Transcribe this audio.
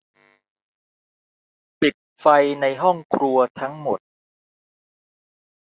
ปิดไฟในห้องครัวทั้งหมด